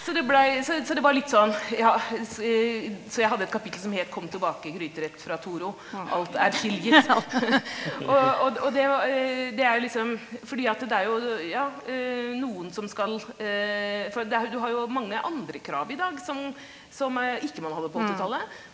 så det blei så så det var litt sånn ja så jeg hadde et kapittel som het Kom tilbake gryterett fra Toro alt er tilgitt og og og det var det er jo liksom fordi at det er jo ja noen som skal for at det du har jo mange andre krav i dag som som ikke man hadde på åttitallet.